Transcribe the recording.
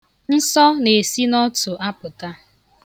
Nsọ na-esi n'ọtụ apụta.